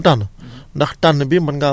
ndax du ku ne rekk moo mën a tànn